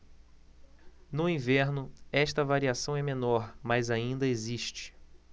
no inverno esta variação é menor mas ainda existe